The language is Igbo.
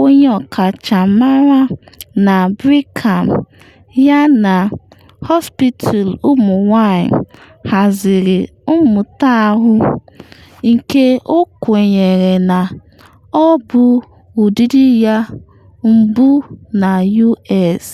onye ọkachamara na Brigham yana Women Hospital haziri mmụta ahụ, nke ọ kwenyere na ọ bụ ụdịdị ya mbu na US.